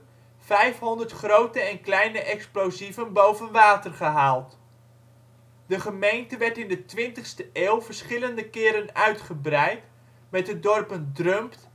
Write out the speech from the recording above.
vijfhonderd grote en kleine explosieven boven water gehaald. De gemeente werd in de twintigste eeuw verschillende keren uitgebreid, met de dorpen Drumpt